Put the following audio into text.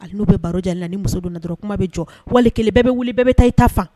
Ali n'u bɛ baro ja la ni muso donna dɔrɔn kuma bɛ jɔ wali kelen bɛɛ bɛ bɛɛ bɛ taa i ta faga